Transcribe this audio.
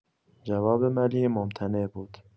جواب ملیحه ممتنع بود.